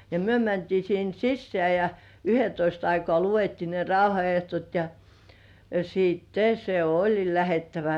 ja me mentiin sinne sisään ja yhdentoista aikaan luettiin ne rauhanehdot ja sitten se oli lähdettävä